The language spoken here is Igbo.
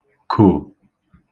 kò